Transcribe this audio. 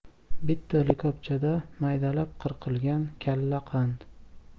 bitta likopchada maydalab qirqilgan kalla qand